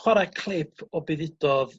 chwarae clip o be ddudodd